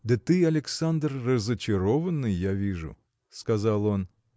– Да ты, Александр, разочарованный, я вижу, – сказал он.